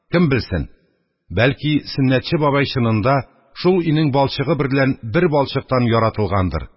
Кем белсен, бәлки, Сөннәтче бабай чынында шул өйнең балчыгы берлән бер балчыктан яратылгандыр.